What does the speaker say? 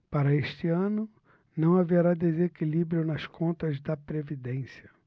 para este ano não haverá desequilíbrio nas contas da previdência